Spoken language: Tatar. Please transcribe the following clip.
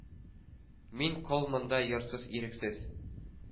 Мин кол монда, йортсыз-ирексез,